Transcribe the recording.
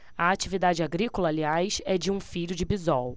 a atividade agrícola aliás é de um filho de bisol